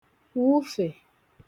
wụfè